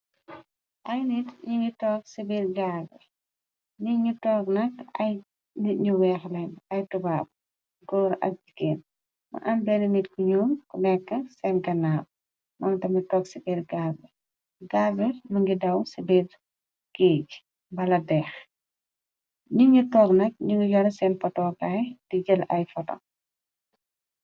Ay nit ñu ngi toog ci biir gaal nit ñu toog nak ay nit ñu weex leen ay tubab goor ak jigéen mo am béna nitt ku ñuul ko nekka seen gannaw momtami tog ci bér gaal be gaal be mogi daw ci biir geeg bala deex nit ñu tog nak nugi yor seen potokaay di jël ay photo.